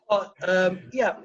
O- yym ia